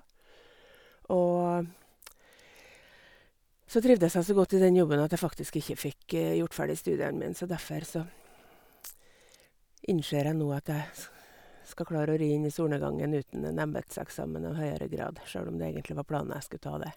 Og så trivdes jeg så godt i den jobben at jeg faktisk ikke fikk gjort ferdig studiene mine, så derfor så innser jeg nå at jeg s skal klare å ri inn i solnedgangen uten en embetseksamen av høyere grad, sjøl om det egentlig var planen jeg skulle ta dét.